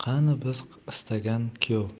qani biz istagan kuyov